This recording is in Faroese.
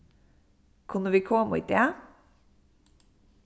kunnu vit koma í dag